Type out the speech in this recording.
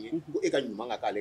Y ko e ka ɲuman kan'ale